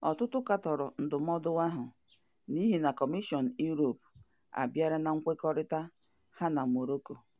Ọtụtụ katọrọ ndụmọdụ ahụ n'ihi na Kọmishọn Europe abịalarị na nkwekọrịta ha na Morocco.